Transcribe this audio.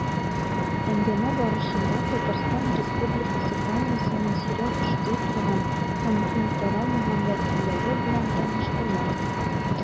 Әңгәмә барышында Татарстан Республикасы фаунасының сирәк очрый торган һәм киң таралмаган вәкилләре белән таныштылар.